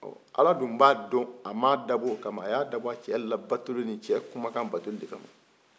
ala dun ba dɔn a ma dabɔ o kama a y'a dabɔ a cɛ kuma labatuli ni cɛ kumakan labatuli de kama